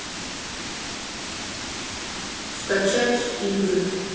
скачать игры